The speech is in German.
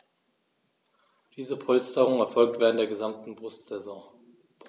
Diese Polsterung erfolgt während der gesamten Brutsaison.